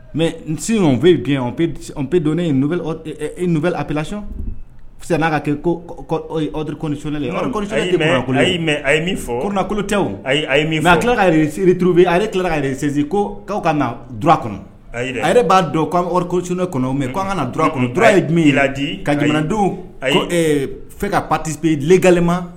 Mɛ n sin bɛ gɛn pe don elɛ aplac n'a ka kɛ korksɛri ayi a ye ko kolote a ye mɛ a tila kaurubi a ale tilala kare sin ko k'aw ka na d kɔnɔ ale b'a dɔn k'anrisɛ kɔnɔ mɛ k' anan ka na du kɔnɔura ye min jira ka jamana don fɛ ka pati lekalema